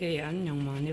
Ee a ɲɔgɔng